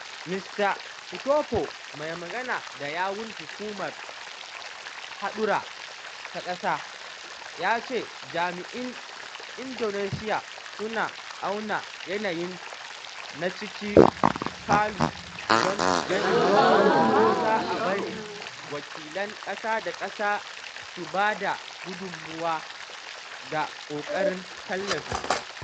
Mista Sutopo, mai magana da yawun hukumar haɗura ta ƙasa, ya ce jami’an Indonesiya suna auna yanayin na cikin Palu don ganin ko za a bari wakilan ƙasa-da-ƙasa su ba da gudunmawa ga ƙoƙarin tallafi.